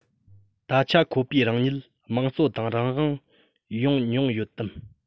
ད ཆ ཁོ པས རང ཉིད དམངས གཙོ དང རང དབང ཡོང མྱོང ཡོད དམ